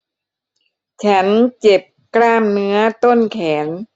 ฉันเจ็บกล้ามเนื้อต้นแขน